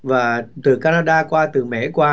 và từ ca na đa qua từ mễ qua